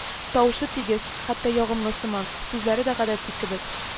Тавышы тигез, хәтта ягымлы сыман, сүзләре дә гадәти кебек